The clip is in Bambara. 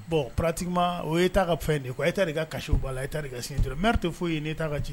Bon pratiquement o ye Etat ka fɛn de ye . Etat ka caché de ba la. Etat ka signature de ba la . Maire te foyi ye ni Etat ka ciden